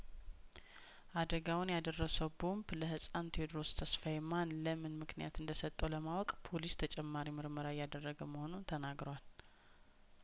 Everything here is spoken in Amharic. አደጋውን ያደረሰው ቦምብ ለህጻን ቴዎድሮስ ተስፋዬ ማን ለምንምክንያት እንደሰጠው ለማውቅ ፖሊስ ተጨማሪ ምርምራ እያደረገ መሆኑ ተነግሯል